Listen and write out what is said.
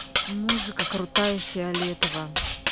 музыка крутая фиолетово